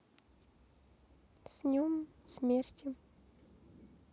с нем смерти